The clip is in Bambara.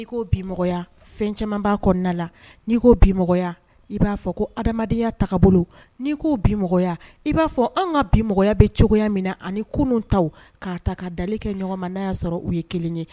N'i ko bi mɔgɔya, fɛn caaman b'a kɔnɔna , n'i ko bi mɔgɔya i b'a fɔ ko adamadeny taa bolo , n'i ko bimɔgɔya i b'a fɔ an ka bimɔgɔya bɛ cogoya min na ani kunun ta k'a ta ka da ɲɔgɔn ma n'a y'a sɔrɔ u ye kelen ye